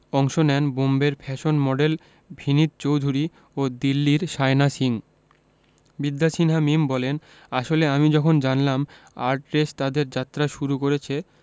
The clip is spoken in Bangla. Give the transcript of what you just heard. অংশ নেন বোম্বের ফ্যাশন মডেল ভিনিত চৌধুরী ও দিল্লির শায়না সিং বিদ্যা সিনহা মিম বলেন আসলে আমি যখন জানলাম আর্টরেস তাদের যাত্রা শুরু করেছে